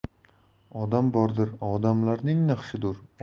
odam bordir odamlarning naqshidur